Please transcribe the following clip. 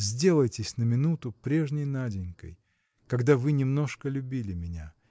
сделайтесь на минуту прежней Наденькой, когда вы немножко любили меня.